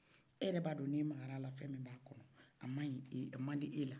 e yɛrɛ b'a dɔn n'i magara a la fɛn min b'a kɔfɛ a man ɲin a man di e la